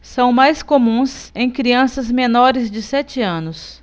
são mais comuns em crianças menores de sete anos